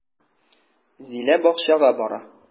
Зилә бакчага бара.